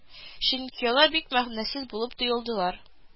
Чөнки алар бик мәгънәсез булып тоелдылар